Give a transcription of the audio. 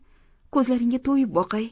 ko'zlaringga to'yib boqay